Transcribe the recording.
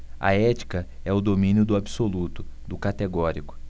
a ética é o domínio do absoluto do categórico